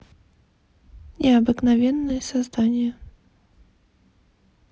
необыкновенные создания